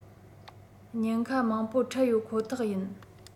ཉེན ཁ མང པོ འཕྲད ཡོད ཁོ ཐག ཡིན